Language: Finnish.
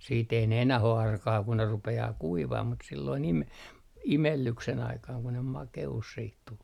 sitten ei ne enää ole arkaa kun ne rupeaa kuivamaan mutta silloin - imellyksen aikaan kun ne makeus sitten tuli